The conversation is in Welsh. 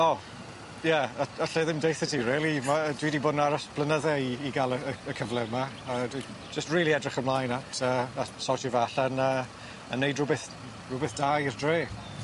O ie a- allai ddim deutha ti rili ma' yy dwi 'di bod yn aros blynydde i i ga'l y y cyfle yma a dwi jyst rili edrych ymlaen at yy at sortio fe allan a yn neud rwbeth rwbeth da i'r dre.